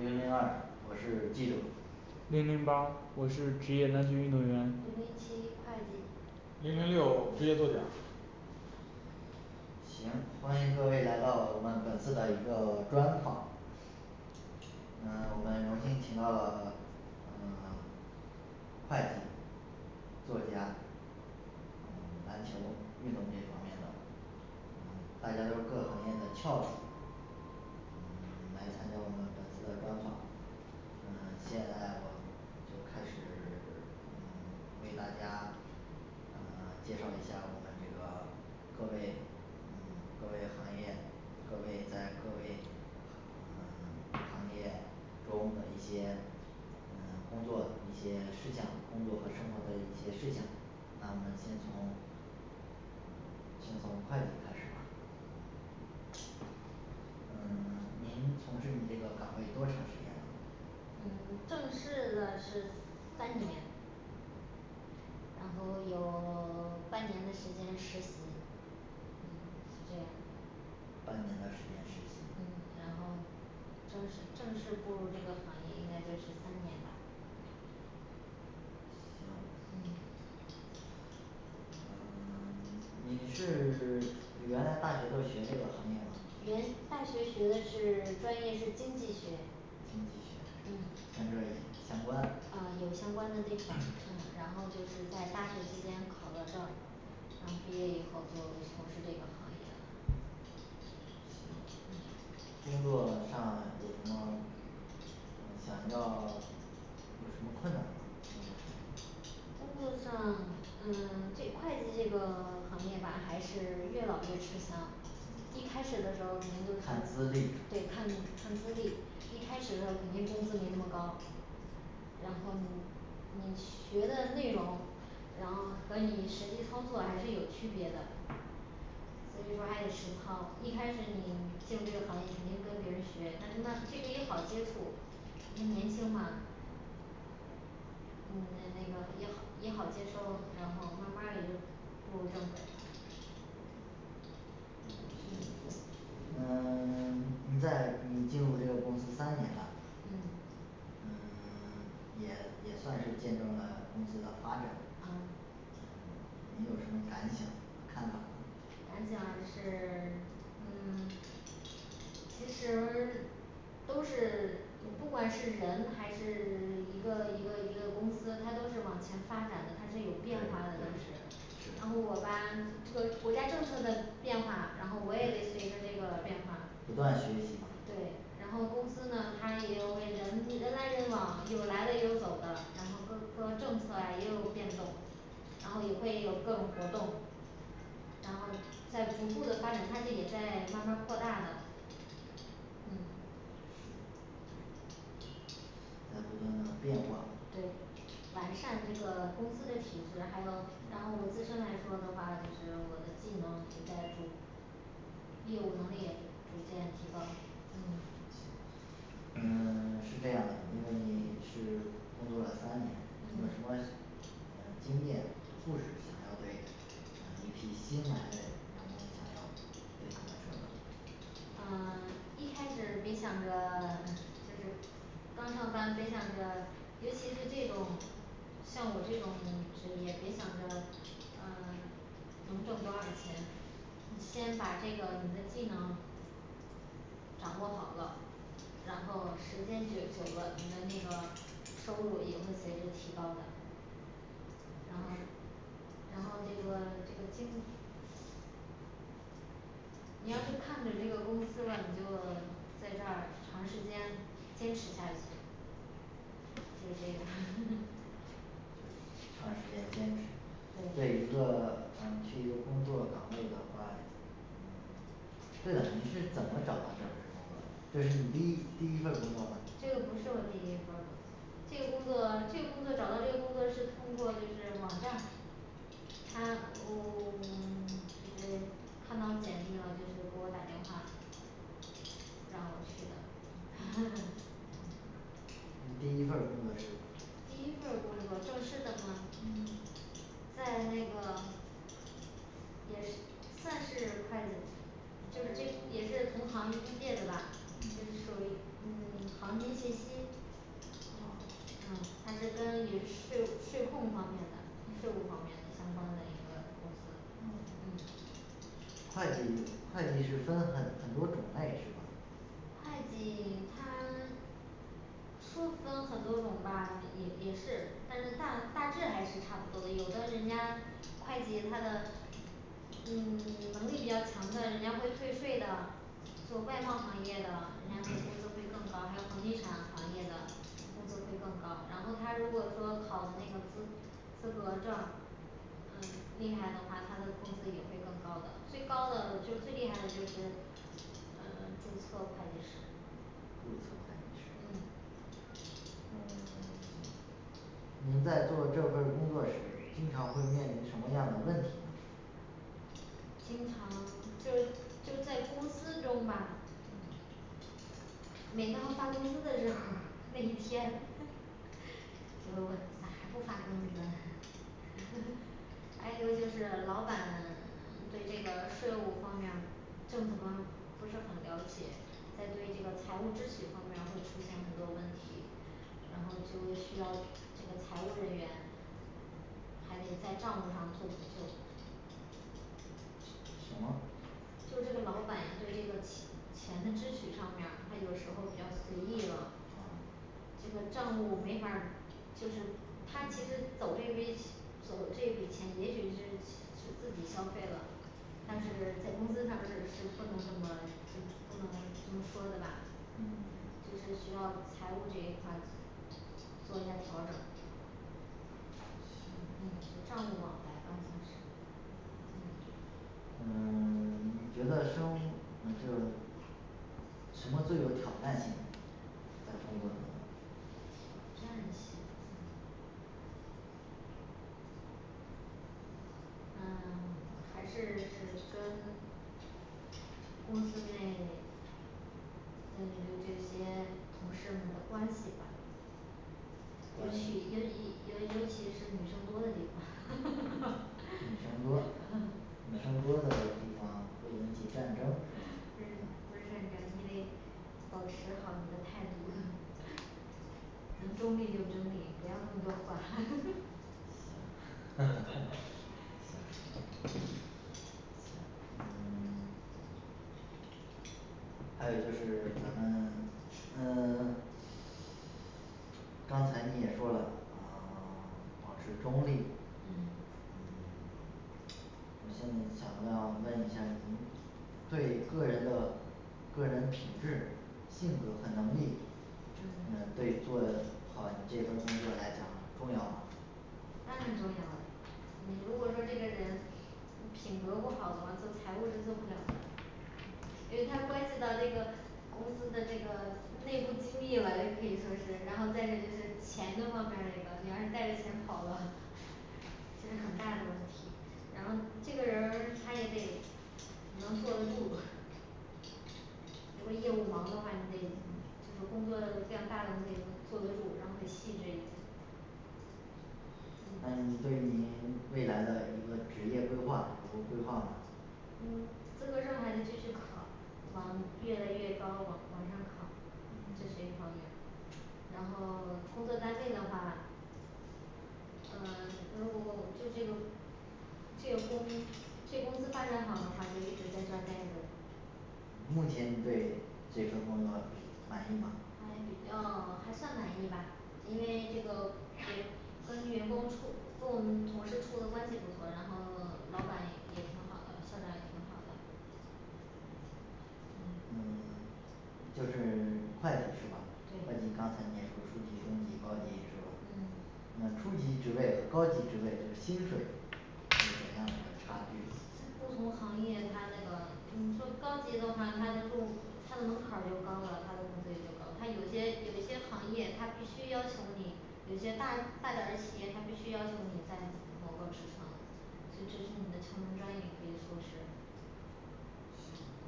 零零二我是记者零零八我是职业篮球运动员零零七会计零零六职业作家行欢迎各位来到我们本次的一个专访嗯我们荣幸请到了嗯会计作家嗯篮球运动这一方面的嗯大家都是各行业的翘楚嗯来参加我们本次的专访嗯现在我们就开始嗯为大家嗯介绍一下我们这个各位嗯各位行业各位在各位行 嗯行业中的一些嗯工作一些事情工作和生活的一些事情那我们先从先从会计开始吧嗯您从事你这个岗位多长时间啦嗯正式的是三年然后有 半年的时间实习嗯是这样的半年的时间实习嗯然后正式正式步入这个行业应该就是三年吧行嗯嗯 你是 原来大学就学这个行业吗原大学学的是专业是经济学经济学嗯跟这个相关嗯有相关的地方嗯然后就是在大学期间考了证然后毕业以后就从事这个行业了行嗯工作上有什么嗯想要有什么困难吗工作上工作上嗯这会计这个行业吧还是越老越吃香一开始的时候儿肯定看都是资历对看看资历一开始的时候儿肯定工资没那么高嗯然后你你学的内容然后和你实际操作还是有区别的所以说还得实操一开始你进入这个行业肯定跟别人学但是慢这个也好接触因为年轻嘛嗯 你的那个也好也好接收然后慢儿慢儿也就步入正轨了嗯行嗯嗯 你在你进入这个公司三年了嗯嗯 也也算是见证了公司的发展啊嗯 你有什么感想和看法呢感想是 嗯 其实儿 都是不管是人还是一个一个一个公司它都是往前发展的它是对有对变化的都是然后我是吧这个国家政策的变化对然后我也得随着这个对变化不断学习嘛对然后公司呢它也有为人人来人往有来的也有走的然后各个政策呀也有变动然后也会有各种活动，然后再逐步的发展它这也在慢儿慢儿扩大的嗯是对 在不断的变化对完善这个公司的体制，还有然后嗯我自身来说的话，就是我的技能也在逐业务能力也逐逐渐提高嗯嗯行嗯 是这样的因为你是工作了三年，有什么嗯呃经验和故事想要对嗯一批新来嘞员工想要对他们说的嗯一开始别想着就是刚上班别想着尤其是这种像我这种只也别想着嗯能挣多少钱，先把这个你的技能掌握好了，然后时间就久了，你的那个收入也会随之提高的就然后是，行然后了这个你这说个坚你要是看着这个公司吧，你就在这儿长时间坚持下去。就是这个 长时间坚持对对一个嗯去一个工作岗位的话嗯对了你是怎么找到这份儿工作的这是你第一第一份儿工作吗这个不是我第一份儿工作这个工作这个工作找到这个工作是，通过就是网站他我我我我就是看到简历了，就是给我打电话让我去的嗯 你第一份儿工作是第一份儿工作正式的吗？嗯在那个也是算是会计，就是这也是同行业的吧这属于嗯行接信息嗯嗯它是跟也是税务税控方面的税务方面的相关的一个公司啊嗯会计会计是分很很多种类是吧会计它说分很多种吧也也是，但是大大致还是差不多的，有的人家会计他的嗯能力比较强的，人家会退税的做外贸行业的，人家那工嗯资会更高，还有房地产行业的工资会嗯更高，然后他如果说考的那个资资格证儿嗯厉害的话，他的工资也会更高的，最高的就最厉害的就是呃注册会计师注册会嗯计师嗯 行您在做这份儿工作时经常会面临什么样的问题呢经常就是就在公司中吧嗯每当发工资的时候儿， 那一天 我我咋还不发工资啊 还有一个就是老板对这个税务方面儿政策方不是很了解，在对这个财务支取方面儿会出现很多问题然后就需要这个财务人员还得在账目上做补救什 什么就这个老板呀对这个七 钱的支取上面儿，他有时候儿比较随意了嗯这个账务没法儿就是他其实走这笔走这笔钱也许是是自己消费了但是嗯在公司上面儿是是不能这么不不能这么说的吧嗯就是需要财务这一块儿做 做一下调整嗯行就账目往来吧算是嗯嗯嗯 你觉得生嗯这个什么最有挑战性在工作当中挑战性嗯嗯 还是是跟公司内跟你的这些同事们的关系吧尤关其尤系尤尤其是女生多的地方女生 多嗯女生多的地方会引起战争是吧不是不是战争你得保持好你的态度 能中立就中立不要那么多话 行 行好的行嗯 还有就是咱们嗯 刚才你也说了，嗯 保持中立嗯嗯 我现在想要问问一下儿您对个人的个人品质性格儿和能力，嗯嗯对做得好你这份儿工作来讲重要吗？当然重要啦。你如果说这个人品格不好的，做财务是做不了的因嗯为他关系到这个公司的这个内部机密了也可以说是，然后再一个就是钱的方面儿这个，你要是带着钱跑了 其实很大的问题，然后这个人儿他也得能坐得住 如果业务忙的话，你得嗯就是工作量大的你得坐得住，然后得细致一点那你对您未来的一个职业规划有过规划吗嗯资格儿证还得继续考，往嗯越来越高往往上考，这是一嗯方面儿。然后工作单位的话呃如果就这个这个公这公司发展好的话，就一直在这儿待着目前你对这份儿工作比满意吗还比较还算满意吧。因为这个员跟员工处跟我们同事处的关系不错，然后老板也也挺好的，校长也挺好的嗯嗯嗯就是会计是吧，会计对刚才你也说初级、中级、高级是吧？嗯那初级职位和高级职位这个薪水，有怎样嘞个差距呢在不同行业它这个你说高级的话，它的入他的门槛儿就高了，他的工资也就高，他有些有一些行业它必须要求你有些大大点儿的企业，它必须要求你在某个职称所以这是你的敲门砖也可以说是行